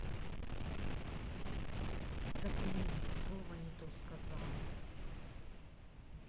да блин слово не то сказала